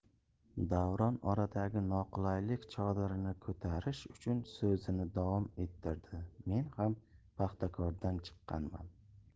davron oradagi noqulaylik chodirini ko'tarish uchun so'zini davom ettirdi men ham paxtakordan chiqqanman